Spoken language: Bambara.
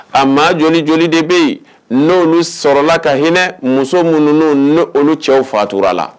A maa jɔ joli de bɛ yen n'o ni sɔrɔlala ka hinɛ muso minnu n ni olu cɛw faatura la